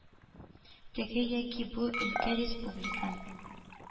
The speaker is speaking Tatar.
Теге яки бу өлкә, республика,